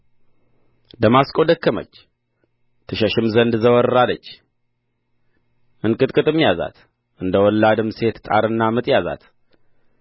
ደማስቆ ደከመች ትሸሽም ዘንድ ዘወር አለች እንቅጥቅጥም ያዛት እንደ ወላድም ሴት ጣርና ምጥ ያዛት